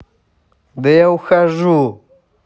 да я ухожу